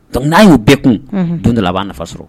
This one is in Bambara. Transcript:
Dɔnku n'a y'u bɛɛ kun don dɔ b'a nafa sɔrɔ